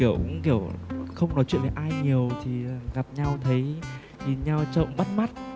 kiểu cũng kiểu không nói chuyện với ai nhiều thì gặp nhau thấy nhìn nhau trông cũng bắt mắt